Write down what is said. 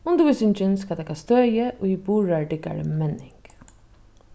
undirvísingin skal taka støði í burðardyggari menning